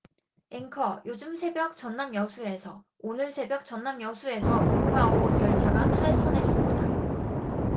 앵커 오늘 새벽 전남 여수에서 오늘 새벽 전남 여수에서 무궁화호 열차가 탈선했습니다